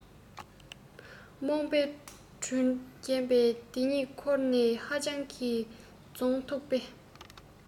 རྨོངས པས འདྲུལ གྱིན པ དག ཉེ འཁོར ན ཧ ཅང གི རྫོང མཐུག པས